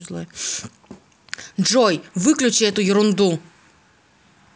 джой выключи эту ерунду